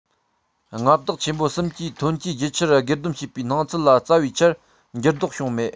མངའ བདག ཆེན པོ གསུམ གྱིས ཐོན སྐྱེད རྒྱུ ཆར སྒེར སྡེམ བྱེད པའི སྣང ཚུལ ལ རྩ བའི ཆར འགྱུར ལྡོག བྱུང མེད